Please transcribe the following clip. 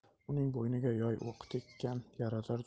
uning bo'yniga yoy o'qi tek kan yarador